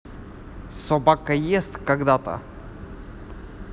собака ест когда то